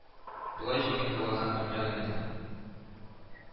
Болай җиңел буласын белмәгән идем